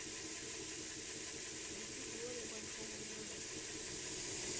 включи теория большого взрыва